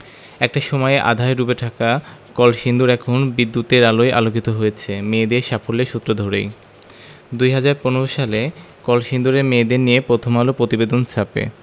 একটা সময়ে আঁধারে ডুবে থাকা কলসিন্দুর এখন বিদ্যুতের আলোয় আলোকিত হয়েছে মেয়েদের সাফল্যের সূত্র ধরেই ২০১৫ সালে কলসিন্দুরের মেয়েদের নিয়ে প্রথম আলো প্রতিবেদন ছাপে